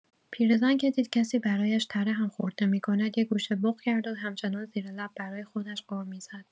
پیر زن که دید کسی برایش تره هم خورد نمی‌کند یک‌گوشه بق کرد و همچنان زیر لب برای خودش غر می‌زد.